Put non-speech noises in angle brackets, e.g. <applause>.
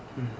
<hesitation> <hesitation>